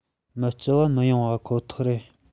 མི སྐྱིད བ མི ཡོང པ ཁོ ཐག རེད